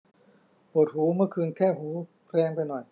ปวดหูเมื่อคืนแคะหูแรงไปหน่อย